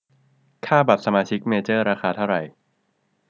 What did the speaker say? ค่าสมัครสมาชิกเมเจอร์ราคาเท่าไหร่